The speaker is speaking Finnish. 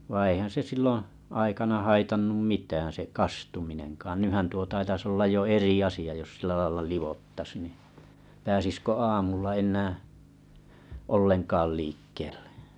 vaan eihän se silloin aikana haitannut mitään se kastuminenkaan nythän tuo taitaisi olla jo eri asia jos sillä lailla liottaisi niin pääsisikö aamulla enää ollenkaan liikkeelle